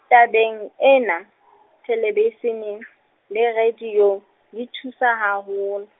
tabeng ena , thelebishine, le radio, di thusa haholo.